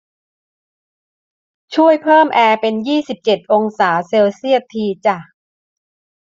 ช่วยเพิ่มแอร์เป็นยี่สิบเจ็ดองศาเซลเซียสทีจ้ะ